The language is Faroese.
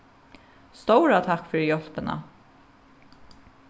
stóra takk fyri hjálpina